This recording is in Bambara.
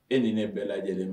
E ni ne bɛɛ lajɛlenlen ma